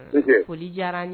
Foli diyara ye